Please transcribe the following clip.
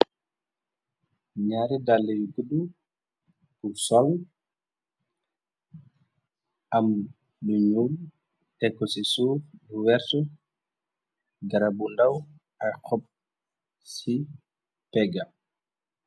Naari daala yu gudu pul sol am lu nuul tek ko si suuf lu wertax garab bu ndaw ay xoop si pega.